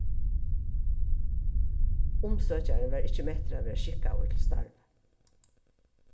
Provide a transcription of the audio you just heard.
umsøkjarin var ikki mettur at vera skikkaður til starvið